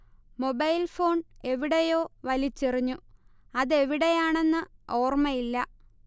mobile phone എവിടെയോ വലിച്ചെറിഞ്ഞു അതെവിടെയാണെന്ന് ഓർമയില്ല